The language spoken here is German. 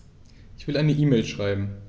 Ich will eine E-Mail schreiben.